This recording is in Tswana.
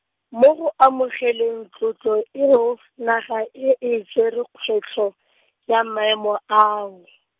mo go amogeleng tlotlo eo, naga e e tsere kgwetlho, ya maemo ao .